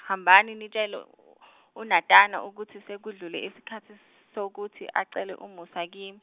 hambani nitshele, uNatana ukuthi sekudlule isikhathi sokuthi acele umusa kimi.